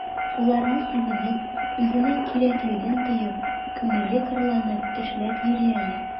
Шуларны сизенеп, үзенең кирәклеген тоеп, күңеле кырланып эшләп йөри әле...